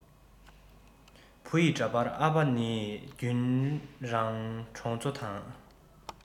བུ ཡི འདྲ པར ཨ ཕ ནི རྒྱུན རང གྲོང ཚོ དང